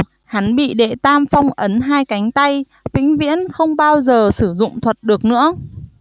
hắn bị đệ tam phong ấn hai cánh tay vĩnh viễn không bao giời sử dụng thuật được nữa